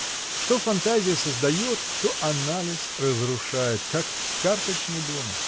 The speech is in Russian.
Что фантазия создаст, то анализ разрушит, как карточный домик.